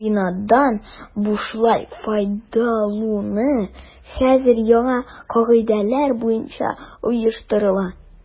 Бинадан бушлай файдалану хәзер яңа кагыйдәләр буенча оештырыла.